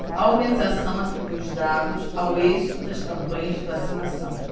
a organização atribuiu os dados ao êxito das campanhas de vacinação